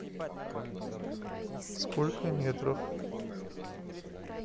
сколько метров